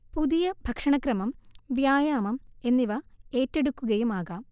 പുതിയ ഭക്ഷണ ക്രമം, വ്യായാമം എന്നിവ ഏറ്റെടുക്കുകയും ആകാം